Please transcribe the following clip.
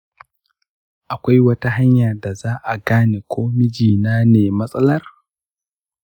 akwai wata hanya da za a gane ko mijina ne matsalar?